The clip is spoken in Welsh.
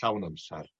Llawn ymsar.